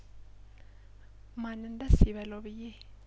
ማንን ደስ ይበለው ብዬ